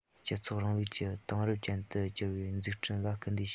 སྤྱི ཚོགས རིང ལུགས ཀྱི དེང རབས ཅན དུ འགྱུར བའི འཛུགས སྐྲུན ལ སྐུལ འདེད བྱེད